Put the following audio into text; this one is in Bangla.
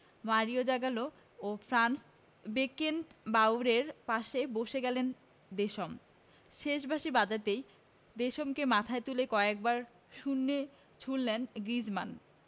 মারিও জাগালো ও ফ্রাঞ্জ বেকেনবাওয়ারের পাশে বসে গেলেন দেশম শেষ বাঁশি বাজতেই দেশমকে মাথায় তুলে কয়েকবার শূন্যে ছুড়লেন গ্রিজমান